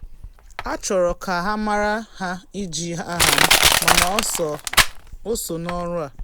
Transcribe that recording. Ha chọrọ ka amara ha iji aha m, mana o so n’ọrụ a.